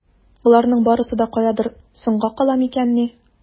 Боларның барсы да каядыр соңга кала микәнни?